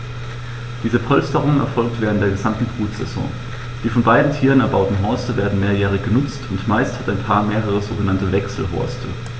Diese Polsterung erfolgt während der gesamten Brutsaison. Die von beiden Tieren erbauten Horste werden mehrjährig benutzt, und meist hat ein Paar mehrere sogenannte Wechselhorste.